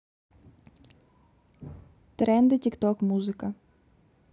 тренды тик тока музыка